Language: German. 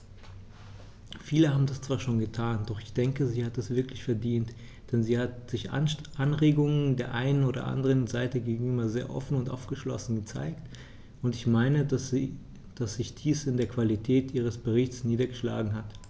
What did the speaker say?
Viele haben das zwar schon getan, doch ich denke, sie hat es wirklich verdient, denn sie hat sich Anregungen der einen und anderen Seite gegenüber sehr offen und aufgeschlossen gezeigt, und ich meine, dass sich dies in der Qualität ihres Berichts niedergeschlagen hat.